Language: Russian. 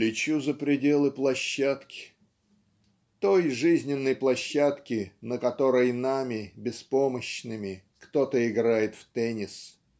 "лечу за пределы площадки", той жизненной площадки на которой нами беспомощными кто-то играет в теннис.